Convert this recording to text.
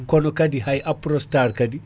kono kaadi hay Aprostar kaadi